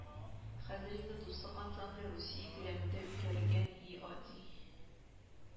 Хәзер инде Дуслык ансамбле Русия күләмендә үткәрелгән и ади